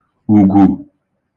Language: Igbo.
ùgwù